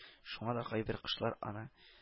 Шуңа да кайбер кошлар аны